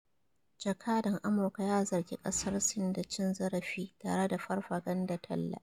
Jakadan Amurka ya zargi kasar Sin da 'cin zarafi' tare da 'farfaganda talla'